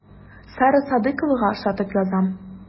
Сара Садыйковага ошатып язам.